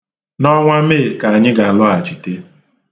N'ọnwa Mee ka anyị ga-alọghachite.